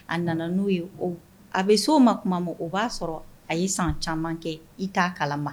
A nana n'o ye a bɛ so o ma kuma ma o b'a sɔrɔ a y'i san caman kɛ i t'a kalama